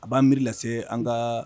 A b'an miiriri lase an ka